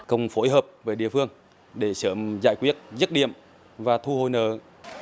cùng phối hợp với địa phương để sớm giải quyết dứt điểm và thu hồi nợ